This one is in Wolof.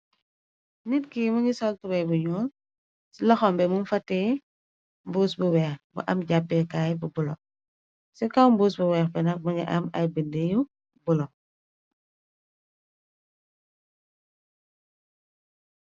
Nit ki mungi sol tubey bu njull, ci lokhom bi mung fa tiyeh mbuus bu weex bu am japeh kaay bu bleu, ci kaw mbuus bu weex bi nak mungi am ay bindu yu bleu.